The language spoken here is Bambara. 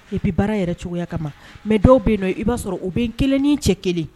I bɛ baara yɛrɛ cogoya kama mɛ dɔw bɛ don i b'a sɔrɔ o bɛ n kelen ni cɛ kelen